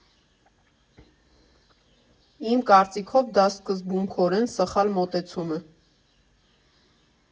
Իմ կարծիքով՝ դա սկզբունքորեն սխալ մոտեցում է.